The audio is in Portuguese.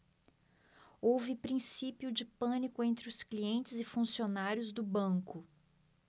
houve princípio de pânico entre os clientes e funcionários do banco